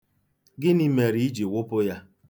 Gịnị mere i ji wụpụ ya?